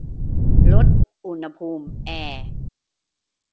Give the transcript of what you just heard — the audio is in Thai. ลดอุณหภูมิแอร์